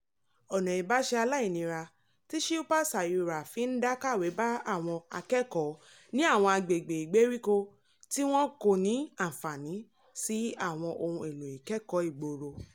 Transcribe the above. Ọ̀nà ìbáṣe aláìnira tí Shilpa Sayura fi ń dá kàwé bá àwọn akẹ́kọ̀ọ́ ní àwọn agbègbè ìgbèríko tí wọ́n kò ní àǹfààní sí àwọn ohun èlò ìkẹ́kọ̀ọ́ ìgboro.